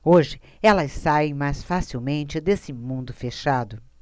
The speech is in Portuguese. hoje elas saem mais facilmente desse mundo fechado